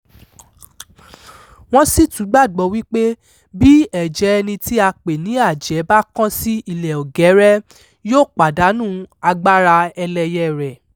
Wọ́n sì tún gbàgbọ́ wípé bí ẹ̀jẹ̀ẹ ẹni tí a pè ní àjẹ́ bá kan ilẹ̀ ọ̀gẹ́rẹ́, yóò pàdánù agbára ẹlẹyẹ rẹ̀.